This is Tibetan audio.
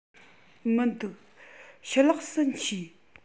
མི འདུག ཕྱི ལོགས སུ མཆིས